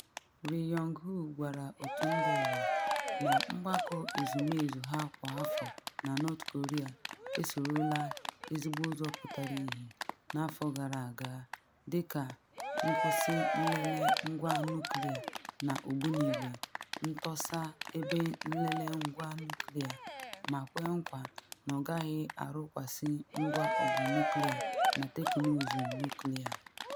Ri Yong Ho gwara otu mba ụwa na Mgbakọ Ezumezu ha kwa afọ na North Korea esorola “ezigbo ụzọ pụtara ihie” n’afọ gara aga, dị ka nkwụsị nlele ngwa nuklịa na ogbunigwe, ntọsa ebe nlele ngwa nuklịa ma kwee nkwa na ọ gaghị arụkasị ngwa ọgụ nuklịa na teknụzụ nuklịa.